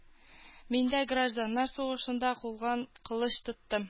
Мин дә гражданнар сугышында кулга кылыч тоттым